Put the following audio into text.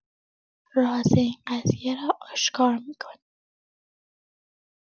راز این قضیه را آشکار می‌کنیم.